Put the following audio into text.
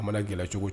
A gɛlɛcogo